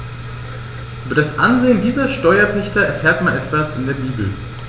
Über das Ansehen dieser Steuerpächter erfährt man etwa in der Bibel.